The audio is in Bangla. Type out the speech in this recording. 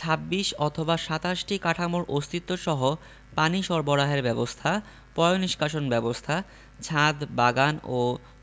২৬ অথবা ২৭টি কাঠামোর অস্তিত্বসহ পানি সরবরাহের ব্যবস্থা পয়োনিষ্কাশন ব্যবস্থা ছাদ বাগান ও